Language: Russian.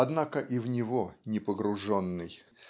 однако и в него не погруженный